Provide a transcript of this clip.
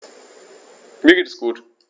Mir geht es gut.